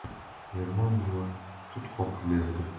ermon buva tut qoqib berdi